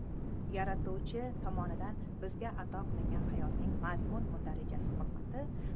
yaratuvchi tomonidan bizga ato qilingan hayotning mazmun mohiyati hurmati